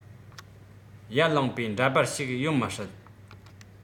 ཡར ལངས པའི འདྲ པར ཞིག ཡོད མི སྲིད